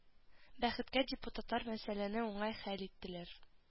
Бәхеткә депутатлар мәсьәләне уңай хәл иттеләр